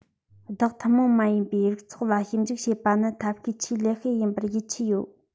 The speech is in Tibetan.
བདག ཐུན མོང མ ཡིན པའི རིགས ཚོགས ལ ཞིབ འཇུག བྱེད པ ནི ཐབས ཤེས ཆེས ལེགས ཤོས ཡིན པར ཡིད ཆེས ཡོད